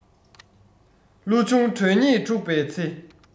བློ ཆུང གྲོས ཉེས འཁྲུགས པའི ཚེ